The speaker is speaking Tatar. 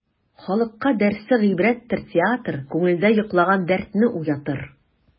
Халыкка дәрсе гыйбрәттер театр, күңелдә йоклаган дәртне уятыр.